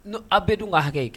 N' aw bɛɛ dun ka hakɛ kɛ